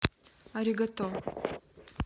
аригато